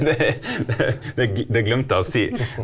det det det glemte jeg å si.